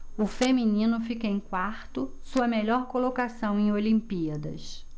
o feminino fica em quarto sua melhor colocação em olimpíadas